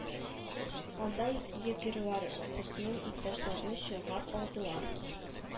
Анда егерьләр безнең иптәшләрне чолгап алдылар